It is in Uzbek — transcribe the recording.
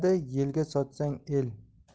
beradi yelga sochsang el